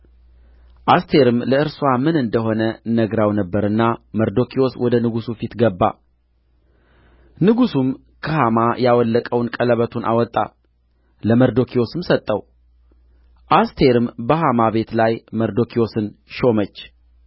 አስቴርም ለእርስዋ ምን እንደ ሆነ ነግራው ነበርና መርዶክዮስ ወደ ንጉሡ ፊት ገባ ንጉሡም ከሐማ ያወለቀውን ቀለበቱን አወጣ ለመርዶክዮስም ሰጠው አስቴርም በሐማ ቤት ላይ መርዶክዮስን ሾመች